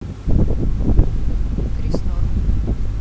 крис норм